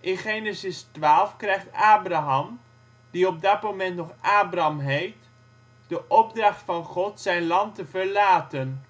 In Genesis 12 krijgt Abraham, die op dat moment nog Abram heet, de opdracht van God zijn land te verlaten